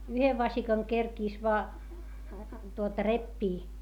yhden vasikan kerkisi vain tuota repiä